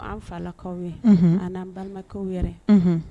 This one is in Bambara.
An falakaw ye an'an balimakɛ yɛrɛ